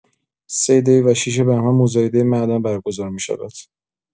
۳ دی و ۶ بهمن، مزایده معدن برگزار می‌شود.